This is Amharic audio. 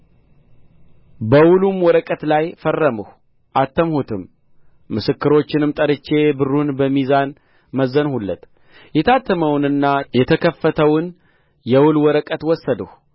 በውሉም ወረቀት ላይ ፈረምሁ አተምሁትም ምስክሮችንም ጠርቼ ብሩን በሚዛን መዘንሁለት የታተመውንና የተከፈተውን የውል ወረቀት ወሰድሁ